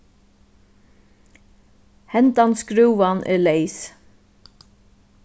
hendan skrúvan er leys